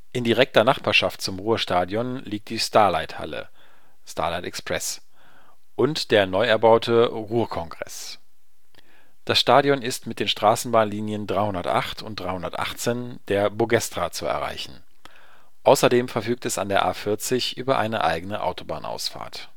In direkter Nachbarschaft zum Ruhrstadion liegt die Starlighthalle (Starlight Express) und der neu erbaute RuhrCongress. Das Stadion ist mit den Straßenbahnlinien 308 und 318 der BOGESTRA zu erreichen. Außerdem verfügt es an der A 40 über eine eigene Autobahnausfahrt